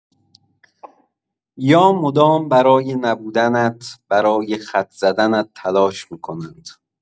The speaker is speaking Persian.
یا مدام برای نبودنت، برای خط زدنت تلاش می‌کنند؟